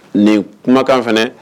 Nin kumakan fana